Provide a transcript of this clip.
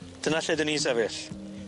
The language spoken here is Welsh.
Dyna lle 'dyn ni'n sefyll.